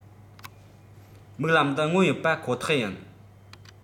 མིག ལམ དུ མངོན ཡོད པ ཁོ ཐག ཡིན